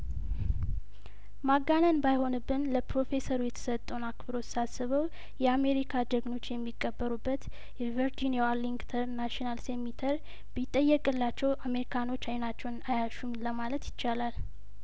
ማጋነን ባይሆንብን ለፕሮፌሰሩ የተሰጠውን አክብሮት ሳስበው የአሜሪካ ጀግኖች የሚቀብሩበት የቨርጂኒያው አር ሊንግተንናሽናል ሴሚተሪ ቢጠየቅላቸው አሜሪካኖች አይናቸውን አያሹም ለማለት ይቻላል